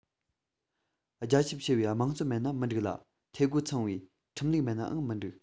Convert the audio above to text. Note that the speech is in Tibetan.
རྒྱ ཁྱབ ཆེ བའི དམངས གཙོ མེད ན མི འགྲིག ལ འཐུས སྒོ ཚང བའི ཁྲིམས ལུགས མེད ནའང མི འགྲིག